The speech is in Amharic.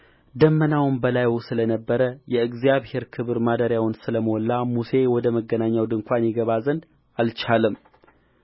ደመናውም በላዩ ስለ ነበረ የእግዚአብሔርም ክብር ማደሪያውን ስለ ሞላ ሙሴ ወደ መገናኛው ድንኳን ይገባ ዘንድ አልቻለም